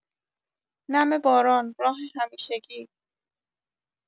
نم باران، راه همیشگی